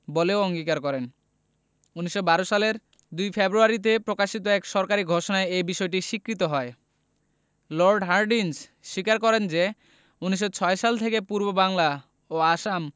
বলেও অঙ্গীকার করেন ১৯১২ সালের ২ ফেব্রুয়ারিতে প্রকাশিত এক সরকারি ঘোষণায় এ বিষয়টি স্বীকৃত হয় লর্ড হার্ডিঞ্জ স্বীকার করেন যে ১৯০৬ সাল থেকে পূর্ববাংলা ও আসাম